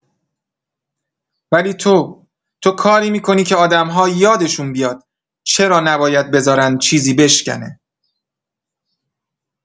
ولی تو… تو کاری می‌کنی که آدم‌ها یادشون بیاد چرا نباید بذارن چیزی بشکنه.